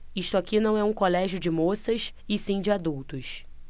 isto aqui não é um colégio de moças e sim de adultos